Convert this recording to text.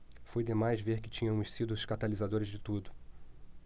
foi demais ver que tínhamos sido os catalisadores de tudo